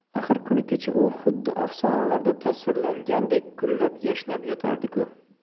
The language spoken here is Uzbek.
axir kuni kecha u xuddi afsonalarda tasvirlangandek gullab yashnab yotardiku